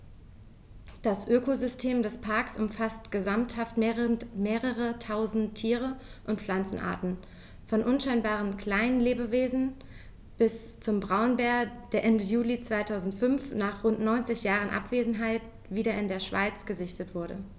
Das Ökosystem des Parks umfasst gesamthaft mehrere tausend Tier- und Pflanzenarten, von unscheinbaren Kleinstlebewesen bis zum Braunbär, der Ende Juli 2005, nach rund 90 Jahren Abwesenheit, wieder in der Schweiz gesichtet wurde.